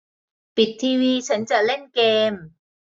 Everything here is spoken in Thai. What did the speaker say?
ปิดทีวีฉันจะเล่นเกม